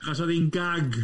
Achos oedd hi'n gag.